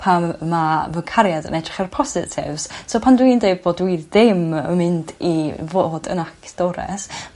Pan ma' fy cariad yn edrych ar y positives. So pan dwi'n deud bod dwi ddim yn mynd i fod yn actores